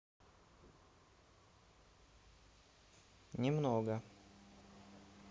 немного